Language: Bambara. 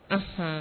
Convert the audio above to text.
Unhun